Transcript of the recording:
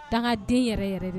Daŋaden yɛrɛ-yɛrɛ de d